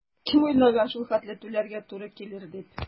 Кем уйлаган шул хәтле түләргә туры килер дип?